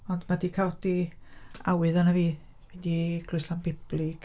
Ond mae o 'di codi awydd arna fi i fynd i Eglwys Llanbeblig.